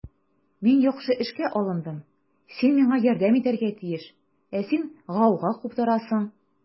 Мин яхшы эшкә алындым, син миңа ярдәм итәргә тиеш, ә син гауга куптарасың.